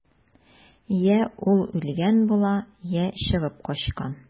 Йә ул үлгән була, йә чыгып качкан.